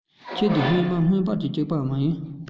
ཁྱོད དེ སྔོན གྱི སྔོན དཔག ནི གཅིག པ མ རེད